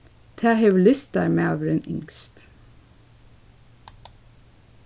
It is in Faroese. tað hevur listamaðurin ynskt